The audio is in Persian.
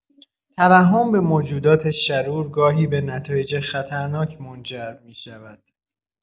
ترحم به موجودات شرور، گاهی به نتایج خطرناک منجر می‌شود.